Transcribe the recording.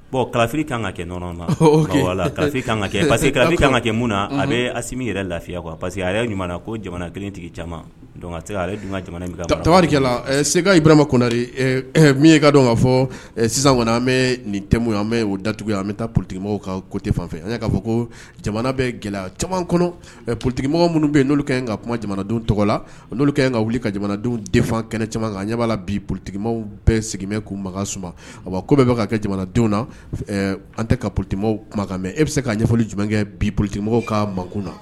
Bon ka kan ka kɛ nɔn na ka kɛ ka kɛ na ale min yɛrɛ lafiya kuwa parce que a y'a ko jamana kelentigi caman tari sebmaɛ min ka fɔ sisan an mɛ nin ye an o daugu an bɛ taa ptigikima kan ko tɛ fan fɛ an''a fɔ ko jamana bɛ gɛlɛya caman kɔnɔ ptigikimɔgɔ minnu bɛ yen n ka kuma jamanadenw tɔgɔ la n ka wuli ka jamanadenw de kɛnɛ caman kan ɲɛ b'a la bi ptigikima bɛɛ sigilen' makan suma ko bɛka ka kɛ jamanadenw na an tɛ ka pte mɛ e bɛ se k'a ɲɛfɔ jumɛnkɛ bi ptimɔgɔ ka makun na